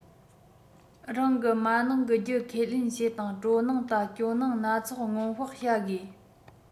རང གི མ ནིང གི རྒྱུ ཁས ལེན བྱེད དང སྤྲོ སྣང དང སྐྱོ སྣང སྣ ཚོགས སྔོན དཔག བྱ དགོས